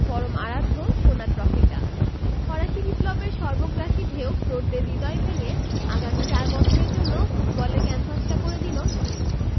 পরম আরাধ্য সোনার ট্রফিটা ফরাসি বিপ্লবের সর্বগ্রাসী ঢেউ ক্রোটদের হৃদয় ভেঙে আগামী চার বছরের জন্য ফুটবলের ক্যানভাসটা করে দিল নীল